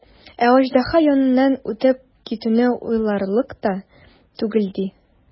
Ә аждаһа яныннан үтеп китүне уйларлык та түгел, ди.